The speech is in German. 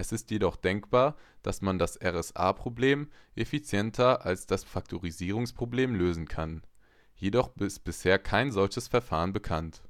ist jedoch denkbar, dass man das RSA-Problem effizienter als das Faktorisierungsproblem lösen kann. Jedoch ist bisher kein solches Verfahren bekannt